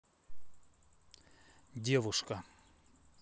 девушка